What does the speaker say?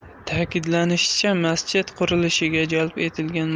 ta'kidlanishicha masjid qurilishiga jalb etilgan